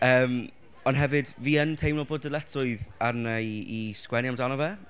Yym, ond hefyd fi yn teimlo bod dyletswydd arna i i sgwennu amdano fe.